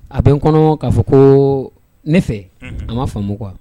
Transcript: A bɛ n kɔnɔ k'a fɔ ko ne fɛ a ma faamumu kuwa